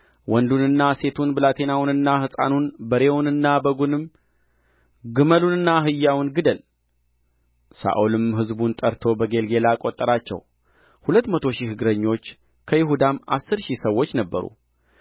ወንዱንና ሴቱን ብላቴናውንና ሕፃኑን በሬውንና በጉን ግመሉንና አህያውን ግደል ሳኦልም ሕዝቡን ጠርቶ በጌልገላ ቈጠራቸው ሁለት መቶ ሺህ እግረኞች ከይሁዳም አሥር ሺህ ሰዎች ነበሩ